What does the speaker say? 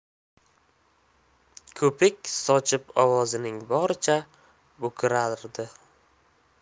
ko'pik sochib ovozining boricha bo'kirardi